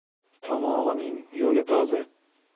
tomog'ining yo'li toza